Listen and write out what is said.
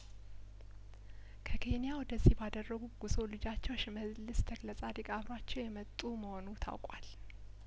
ከኬንያ ወደዚህ ባደረጉት ጉዞ ልጃቸው ሽመልስ ተክለጻዲቅ አብሯቸው የመጡ መሆኑ ታውቋል